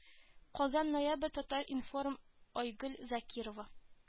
Казан ноябрь татар-информ айгөл закирова